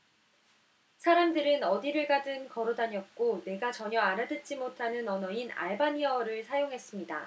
사람들은 어디를 가든 걸어 다녔고 내가 전혀 알아듣지 못하는 언어인 알바니아어를 사용했습니다